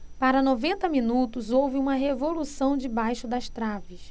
para noventa minutos houve uma revolução debaixo das traves